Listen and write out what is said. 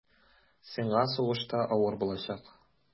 Сиңа сугышта авыр булачак.